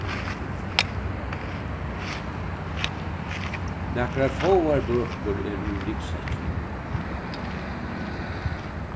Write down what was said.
nakrar fáar bøkur eru í ryggsekkinum